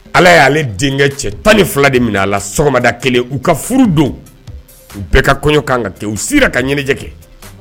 Ala y'ale denkɛ cɛ tan ni fila de mina a la sɔgɔmada kelen u ka furu don u bɛɛ ka kɔɲɔ kan ka ten u sera ka ɲɛnajɛ kɛ